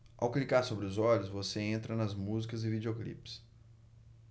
ao clicar sobre os olhos você entra nas músicas e videoclipes